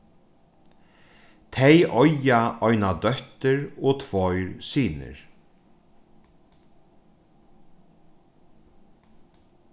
tey eiga eina dóttir og tveir synir